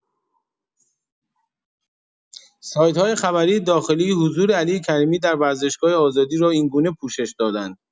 سایت‌های خبری داخلی حضور علی کریمی در ورزشگاه آزادی رو این‌گونه پوشش دادند.